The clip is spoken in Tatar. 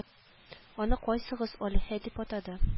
Аны кайсыгыз алиһә дип атады